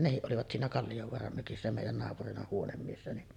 ja nekin olivat siinä Kalliovaaran mökissä meidän naapurina huonemiehenä niin